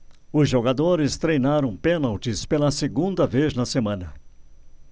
os jogadores treinaram pênaltis pela segunda vez na semana